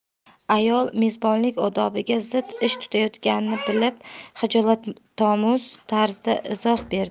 ayol mezbonlik odobiga zid ish tutayotganini bilib xijolatomuz tarzda izoh berdi